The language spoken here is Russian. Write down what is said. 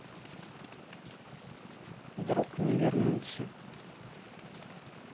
друг не вернулся